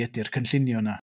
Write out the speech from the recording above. Ydy'r cynllunio 'na.